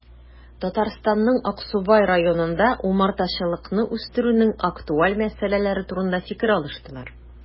Татарстанның Аксубай районында умартачылыкны үстерүнең актуаль мәсьәләләре турында фикер алыштылар